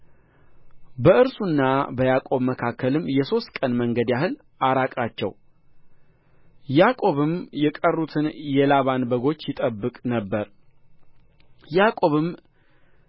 በእርሱና በያዕቆብ መካከልም የሦስት ቀን መንገድ ያህል አራቃቸው ያዕቆብም የቀሩትን የላባን በጎች ይጠብቅ ነበር ያዕቆብም